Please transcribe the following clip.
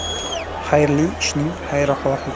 xayrli ishning xayrixohi ko'p